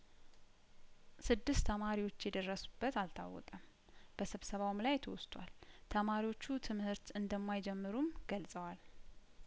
ስድስት ተማሪዎች የደረሱበት እንዳልታወቀም በስብሰባው ላይ ተወስቷል ተማሪዎቹ ትምርህት እንደ ማይጀምሩም ገልጸዋል